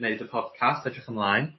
neud y podcast edrych ymlaen.